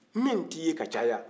min tɛ ye ka caya